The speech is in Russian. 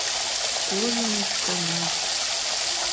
в кожаных штанах